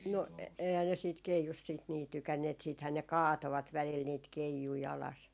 no eihän ne siitä keijusta sitten niin tykänneet sittenhän ne kaatoivat välillä niitä keijuja alas